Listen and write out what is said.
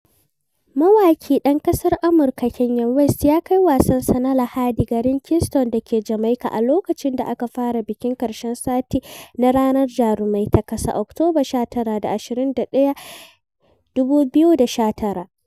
Mawaƙi ɗan ƙasar Amurka Kanye West ya kai "Wasansa na Lahadi" garin Kingston da ke Jamaika a lokacin da aka fara bikin ƙarshen sati na Ranar Jarumai ta ƙasa. (Oktoba 19-21, 2019).